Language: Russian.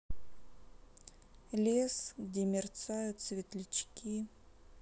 лес где мерцают светлячки